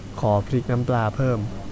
ขอพริกน้ำปลาเพิ่ม